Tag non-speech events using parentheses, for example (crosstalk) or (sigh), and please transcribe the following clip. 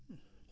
(hesitation)